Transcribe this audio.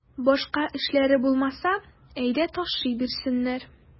Башка эшләре булмаса, әйдә ташый бирсеннәр.